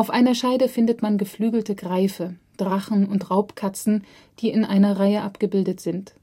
einer Scheide findet man geflügelte Greife, Drachen und Raubkatzen, die in einer Reihe abgebildet sind